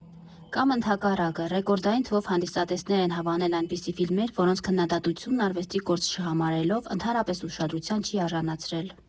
Կամ ընդհակառակը՝ ռեկորդային թվով հանդիսատեսներ են հավանել այնպիսի ֆիլմեր, որոնց քննադատությունն արվեստի գործ չհամարելով, ընդհանրապես ուշադրության չի արժանացրել։